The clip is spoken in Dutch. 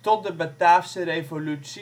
Tot de Bataafse revolutie